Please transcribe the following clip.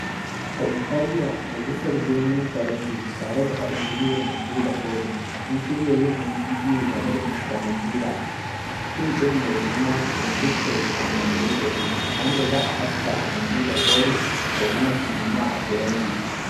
A Italiya, Majalisar Birnin Firenze tare da haɗin gwiwar Mandela Forum, sun shirya yin wani bidiyo game da Mr Mandela, fim ɗin mai suna Invictus and Mandela Day, wanda za a haska a Mandela Forum, da kuma a silima a Firenze.